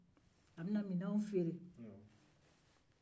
a bɛ na minenw feere